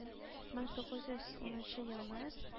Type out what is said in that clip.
Мең тугыз йөз унынчы елны